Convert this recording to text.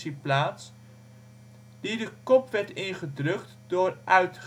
plaats, die de kop werd ingedrukt door uit